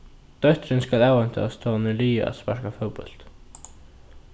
dóttirin skal avheintast tá hon er liðug at sparka fótbólt